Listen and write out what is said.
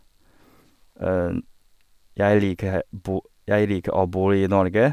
jeg liker bo Jeg liker å bor i Norge.